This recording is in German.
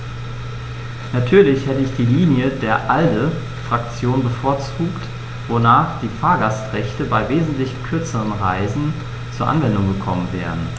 Natürlich hätte ich die Linie der ALDE-Fraktion bevorzugt, wonach die Fahrgastrechte bei wesentlich kürzeren Reisen zur Anwendung gekommen wären.